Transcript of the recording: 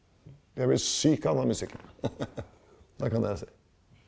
jeg blir syk av den musikken det kan jeg si.